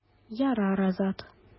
Ярар, Азат.